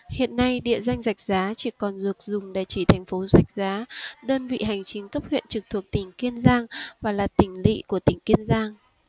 hiện nay địa danh rạch giá chỉ còn được dùng để chỉ thành phố rạch giá đơn vị hành chính cấp huyện trực thuộc tỉnh kiên giang và là tỉnh lỵ của tỉnh kiên giang